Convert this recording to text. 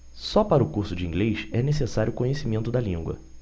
só para o curso de inglês é necessário conhecimento da língua